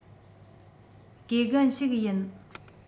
དགེ རྒན ཞིག ཡིན